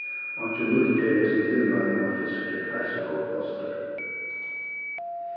einki nýtt er í hesum tilmæli um at fiskur er heilsugóður kostur